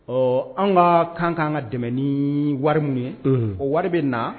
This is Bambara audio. Ɔ an ka ka kan kaan ka dɛmɛ ni wari minnu ye o wari bɛ na